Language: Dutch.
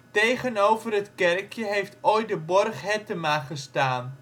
Tegenover het kerkje heeft ooit de borg Hettema gestaan